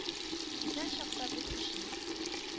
Исән чакта без кешенең